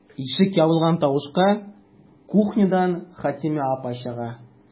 Ишек ябылган тавышка кухнядан Хәтимә чыга.